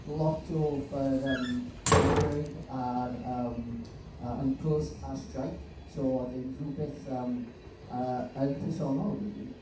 lot o fy r-... cefndryd a'r yym yy uncles ar streic, so oedd e'n rywbeth ymm yn personol, rili.